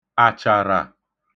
àchàrà